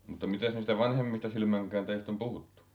mutta mitäs niistä vanhemmista silmänkääntäjistä on puhuttu